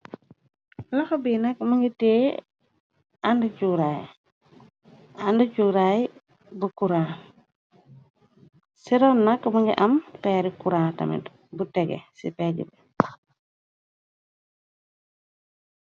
Loxa bi nak ma nga tee àndi juraay ànd juuraay bu kuran siron nakk ma nga am feeri kuran tamit bu tege ci péejge bi.